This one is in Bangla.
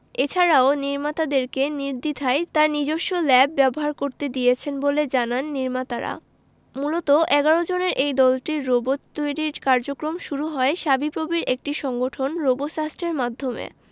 এছাড়াও নির্মাতাদেরকে নির্দ্বিধায় তার নিজস্ব ল্যাব ব্যবহার করতে দিয়েছেন বলে জানান নির্মাতারামূলত ১১ জনের এই দলটির রোবট তৈরির কার্যক্রম শুরু হয় শাবিপ্রবির একটি সংগঠন রোবোসাস্টের মাধ্যমে